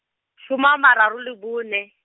soma a mararo le bone.